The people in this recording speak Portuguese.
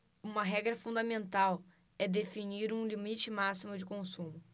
uma regra fundamental é definir um limite máximo de consumo